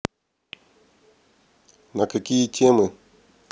на какие темы